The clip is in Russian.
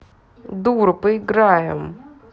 дура поиграем